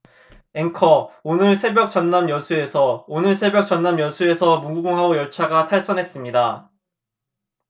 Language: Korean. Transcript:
앵커 오늘 새벽 전남 여수에서 오늘 새벽 전남 여수에서 무궁화호 열차가 탈선했습니다